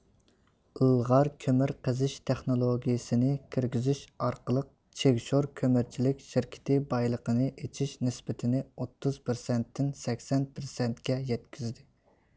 ئىلغار كۆمۈر قېزىش تېخنولوگىيىسىنى كىرگۈزۈش ئارقىلىق چىگشور كۆمۈرچىلىك شىركىتى بايلىقنى ئېچىش نىسبىتىنى ئوتتۇز پىرسەنتتىن سەكسەن پىرسەنتكە يەتكۈزدى